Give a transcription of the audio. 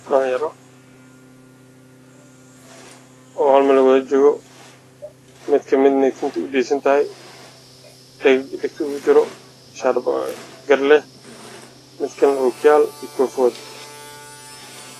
Dhalin yaro mid kamid tinta udeysan tahay